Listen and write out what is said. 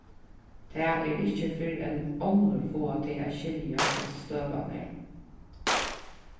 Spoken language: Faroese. tað er ikki fyrr enn onnur fáa teg at skilja hvussu støðan er